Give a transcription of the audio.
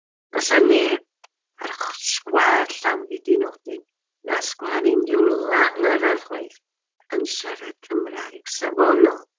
Doedd na neb ar ochr sgwâr Llanbidinodyn, na sgwâr unrhyw lan arall chwaith, yn siarad Cymraeg safonol.